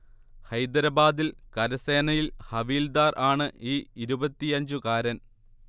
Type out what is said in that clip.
ഹൈദരബാദിൽ കരസനേയിൽ ഹവിൽദാർ ആണ് ഈ ഇരുപത്തിയഞ്ചുകാരൻ